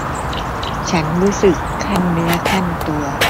ฉันรู้สึกครั่นเนื้อครั่นตัว